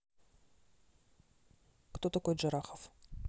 кто такой джарахов